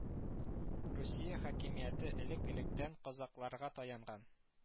Русия хакимияте элек-электән казакларга таянган